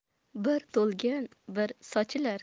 bir to'lgan bir sochilar